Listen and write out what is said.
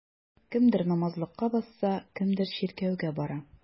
Кемдер намазлыкка басса, кемдер чиркәүгә бара.